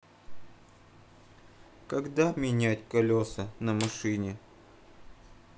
когда менять колеса на машине